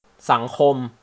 สังคม